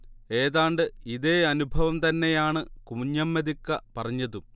ഏതാണ്ട് ഇതേ അനുഭവം തന്നെയാണ് കുഞ്ഞമ്മദിക്ക പറഞ്ഞതും